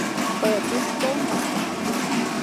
เปิดดิสโก้โหมด